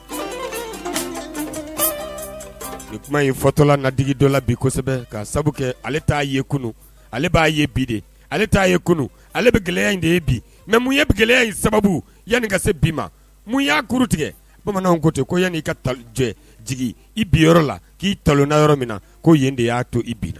Ni kuma in fɔtɔlaigi dɔ la bi kosɛbɛ ka sabu kɛ ale kunun b'a ye bi alea ale gɛlɛya de bi mun ye gɛlɛya sababu yananini ka se bi ma ya kuru tigɛ bamananw kotɛ ko yan' ka jɛ jigin i bi la k' talonna yɔrɔ min na ko yen de y'a to i bi